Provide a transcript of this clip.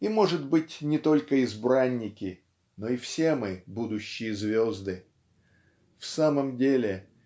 И, может быть, не только избранники, но и все мы - будущие звезды. В самом деле